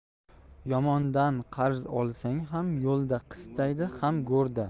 yomondan qarz olsang ham yo'lda qistaydi ham go'rda